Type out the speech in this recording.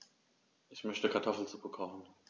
Ich möchte Kartoffelsuppe kochen.